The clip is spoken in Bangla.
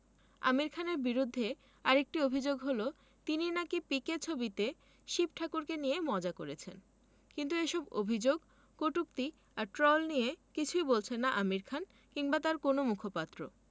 আমির খানের বিরুদ্ধে আরেকটি অভিযোগ হলো তিনি নাকি পিকে ছবিতে শিব ঠাকুরকে নিয়ে মজা করেছেন কিন্তু এসব অভিযোগ কটূক্তি আর ট্রল নিয়ে কিছুই বলছেন না আমির খান কিংবা তাঁর কোনো মুখপাত্র